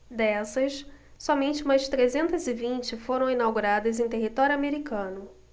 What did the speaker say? dessas somente umas trezentas e vinte foram inauguradas em território americano